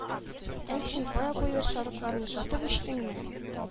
— әй син, кая куйдың сарыкларны? сатып эчтеңме?